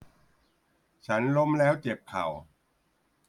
ฉันล้มแล้วเจ็บเข่า